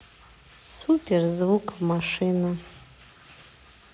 супер звук в машину